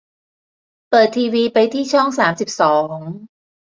เปิดทีวีไปที่ช่องสามสิบสอง